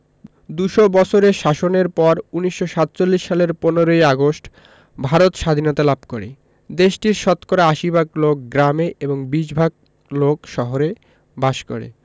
দু'শ বছরের শাসনের পর ১৯৪৭ সালের ১৫ ই আগস্ট ভারত সাধীনতা লাভ করেদেশটির শতকরা ৮০ ভাগ লোক গ্রামে এবং ২০ ভাগ লোক শহরে বাস করে